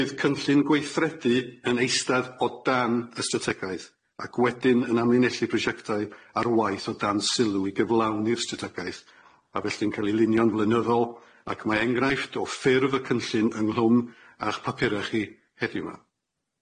Bydd cynllun gweithredu yn eistedd o dan y strategaeth ac wedyn yn amlinellu prosiectau ar waith o dan sylw i gyflawni'r strategaeth a felly'n ca'l ei linio'n flynyddol ac mae enghraifft o ffurf y cynllun ynghlwm a'ch papura chi heddiw 'ma.